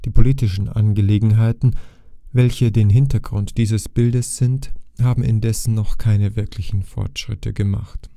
politischen Angelegenheiten, welche den Hintergrund dieses Bildes sind, haben indessen noch keinen wirklichen Fortschritt gebracht